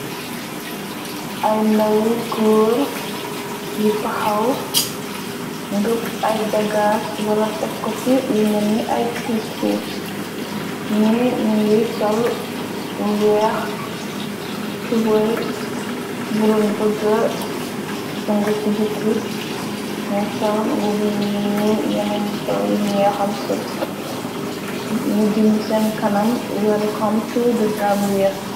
Ay ndawi gór yu taxaw ngëp ay bagaas wala tekko ci lu melni ay puss puss, ngi sol lu wèèx tubay budoon bëgga sun'ngufi bukki ni sol mbubu yu ñuul ñeneni sol yu ñexam sëb nu bindi sèèn kanam welcome to The Gambia.